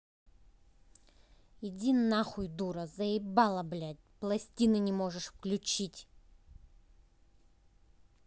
иди нахуй дура заебала блядь пластины не можешь включить